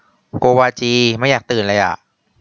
โกวาจีไม่อยากตื่นเลยอะ